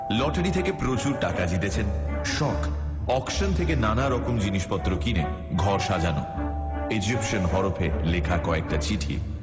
lottery থেকে প্রচুর টাকা জিতেছেন শখ অকশন থেকে নানা রকম জিনিসপত্র কিনে ঘর সাজানো ইজিপ্সিয়ান হরফে লেখা কয়েকটা চিঠি